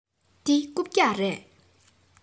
འདི རྐུབ བཀྱག རེད